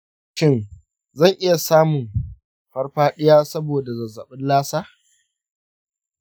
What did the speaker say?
shin zan iya samun farfaɗiya saboda zazzabin lassa?